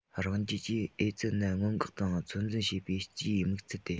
རང རྒྱལ གྱིས ཨེ ཙི ནད སྔོན འགོག དང ཚོད འཛིན བྱེད པའི སྤྱིའི དམིགས ཚད དེ